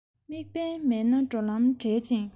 དམིགས འབེན མེད ན འགྲོ ལམ བྲལ ཅིང